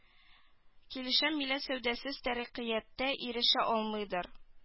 Килешәм милләт сәүдәсез тәрәккыяткә ирешә алмыйдыр